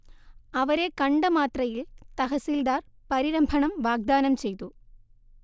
അവരെ കണ്ട മാത്രയിൽ തഹസീൽദാർ പരിരംഭണം വാഗ്ദാനം ചെയ്തു